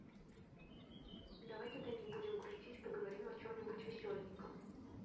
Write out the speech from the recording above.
тогда давай не будем грустить поговорим о чем нибудь веселеньком